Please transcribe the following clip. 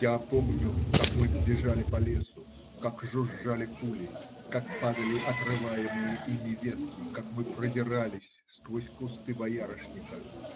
Я помню, как мы бежали по лесу, как жужжали пули, как падали отрываемые ими ветки, как мы продирались сквозь кусты боярышника.